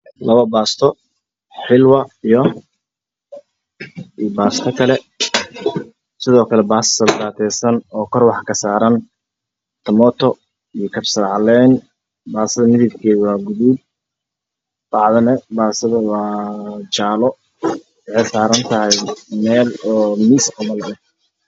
LABO BAASTO XILWO IYO BAASTO KALE SIDOO KALE BAASTE SALDAATAYSAN OO KOR WAXAA KA SAARAN TAMOOTO IYO KABSAR CALEEN BAASTADA MIDABKEEDA WAA GUDUUD BACDANE BAASTADA WAA JAALE WAXAY SAARANTAHAY MEEL OO MIIS AH CAMAL